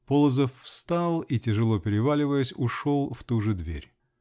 Полозов встал и, тяжело переваливаясь, ушел в ту же дверь.